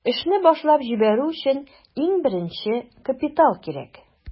Эшне башлап җибәрү өчен иң беренче капитал кирәк.